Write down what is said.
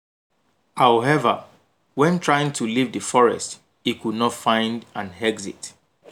However, when trying to leave the forest, he could not find an exit.